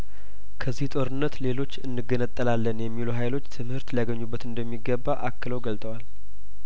ከዚህ ጦርነት ሌሎች እንገ ነጠላለን የሚሉ ሀይሎች ትምህርት ሊያገኙበት እንደሚገባ አክለው ገልጠዋል